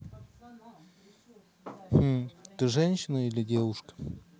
ты женщина или девушка